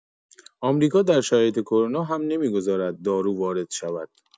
آمریکا در شرایط کرونا هم نمی‌گذارد دارو وارد شود.